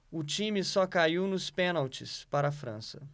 o time só caiu nos pênaltis para a frança